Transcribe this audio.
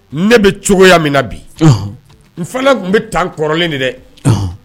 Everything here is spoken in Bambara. Ne bɛ cogoya min na bi n fana tun bɛ tan kɔrɔlen de dɛ